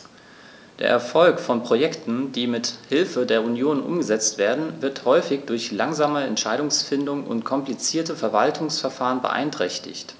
Der Erfolg von Projekten, die mit Hilfe der Union umgesetzt werden, wird häufig durch langsame Entscheidungsfindung und komplizierte Verwaltungsverfahren beeinträchtigt.